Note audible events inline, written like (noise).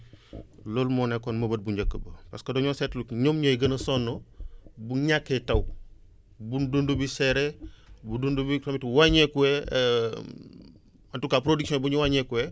(breath) loolu moo nekkoon mëbët bu njëkk ba parce que dañoo seetlu ñoom ñooy gën a sonn bu ñàkkee taw bu dund bi seeree (breath) bu dund bi tamit waañeekuwee (hesitation) en tout cas production yi ñu wàññeekuwee